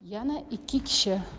yana ikki kishi